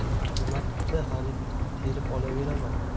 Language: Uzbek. nima qipti hali terib olaveraman